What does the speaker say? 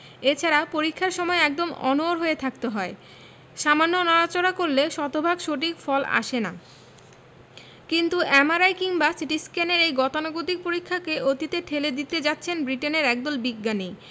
এছাড়া পরীক্ষার সময় একদম অনড় হয়ে থাকতে হয় সামান্য নড়াচড়া করলে শতভাগ সঠিক ফল আসে না কিন্তু এমআরআই কিংবা সিটিস্ক্যানের এই গতানুগতিক পরীক্ষাকে অতীতে ঠেলে দিতে যাচ্ছেন ব্রিটেনের একদল বিজ্ঞানী